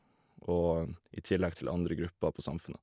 og I tillegg til andre grupper på Samfundet.